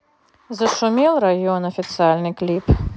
зашумел район официальный клип